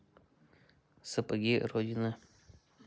сапоги родины